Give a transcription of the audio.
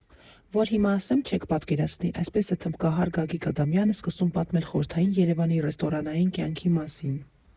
«Որ հիմա ասեմ՝ չեք պատկերացնի», ֊ այսպես է թմբկահար Գագիկ Ադամյանը սկսում պատմել խորհրդային Երևանի ռեստորանային կյանքի մասին։